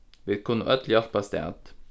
vit kunnu øll hjálpast at